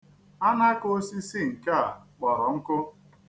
Alakaosisi nke a kpọrọ nkụ.